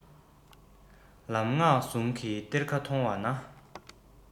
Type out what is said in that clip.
ལམ སྔགས ཟུང གི གཏེར ཁ མཐོང བ ན